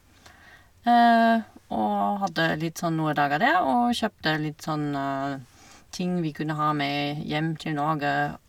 Og hadde litt sånn noe dager der og kjøpte litt sånne ting vi kunne ha med hjem til Norge.